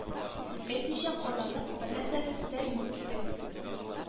Әйтмичә калырлык бернәрсәбез дә юк иде